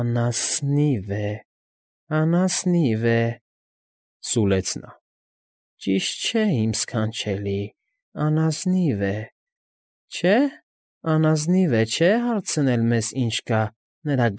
Անաս֊ս֊նիվ է, անաս֊ս֊սնիվ է… ֊ Սուլեց նա։֊ Ճիշտ չէ՞, իմ ս֊ս֊սքանչելի, անաս֊ս֊սնիվ է, չէ՞, հարցնել մեզ֊զ֊զ՝ ինչ կա նրա։